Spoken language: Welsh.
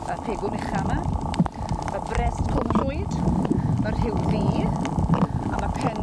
Y pegwn ucha 'ma ma' Brest Cwm Llwyd ma' Rhyw Ddu a ma' pen